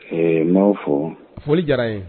Ɛɛ n'aw fo foli diyara n ye